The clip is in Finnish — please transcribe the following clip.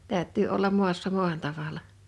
täytyy olla maassa maan tavalla